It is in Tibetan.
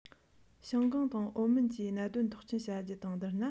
ཞང ཀང དང ཨའོ མོན གྱི གནད དོན ཐག གཅོད བྱ རྒྱུ དང བསྡུར ན